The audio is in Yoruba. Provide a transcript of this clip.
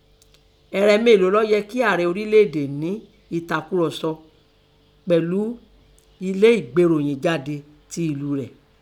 Ẹ̀rẹ̀ mélòó lọ́ yẹ kín ààrẹ ọrílẹ̀ èdè nẹ ẹ̀takùrọ̀sọ pẹ̀lú inlé ìngbéròyìn jáde tín ìlúu rẹ̀?